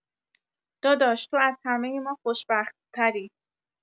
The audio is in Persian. داداش تو از همه ما خوشبخت‌تری